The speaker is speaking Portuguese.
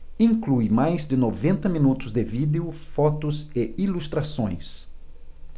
inclui mais de noventa minutos de vídeo fotos e ilustrações